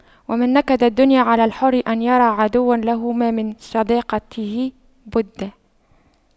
ومن نكد الدنيا على الحر أن يرى عدوا له ما من صداقته بد